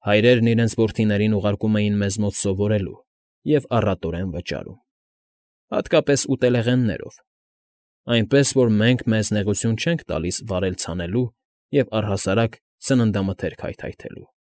Հայրերն իրենց որդիներին ուղարկում էին մեզ մոտ սովորելու և առատորեն վճարում, հատկապես ուտելեղեններով, այնպես որ մենք մեզ նեղություն չէինք տալիս վարել֊ցանելու և, առհասարակ, սննդամթերք հայթայթելու։